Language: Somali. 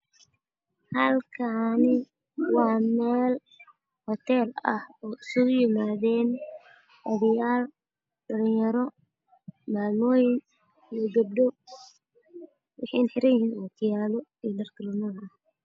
Halkaani waa meel hoteel ah oo isugu yimaadeen odiyaal dhalinyaro maalmooyin iyo gabdho wixinaxiran yihiin ookiyaalo iyo dharkala nooc ah